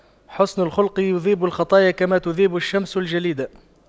حُسْنُ الخلق يذيب الخطايا كما تذيب الشمس الجليد